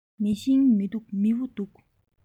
མེ ཤིང མི འདུག མེ ཕུ འདུག